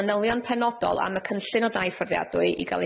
manylion penodol am y cynllun o dauifforddiadwy i ga'l